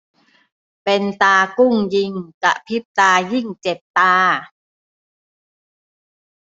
เป็นตากุ้งยิงกระพริบตายิ่งเจ็บตา